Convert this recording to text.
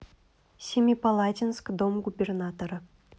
семипалатинск дом губернатора